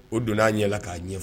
O don'a yɛlɛ k'a ɲɛ ɲɛfɔ